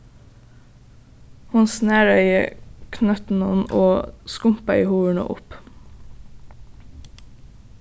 hon snaraði knøttinum og skumpaði hurðina upp